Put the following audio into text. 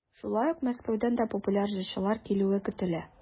Шулай ук Мәскәүдән дә популяр җырчылар килүе көтелә.